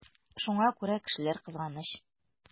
Шуңа күрә кешеләр кызганыч.